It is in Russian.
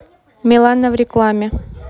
милана в рекламе